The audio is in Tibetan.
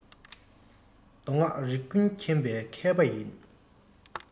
མདོ སྔགས རིག ཀུན མཁྱེན པའི མཁས པ ཡིན